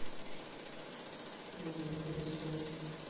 робот пылесос